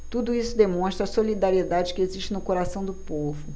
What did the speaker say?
tudo isso demonstra a solidariedade que existe no coração do povo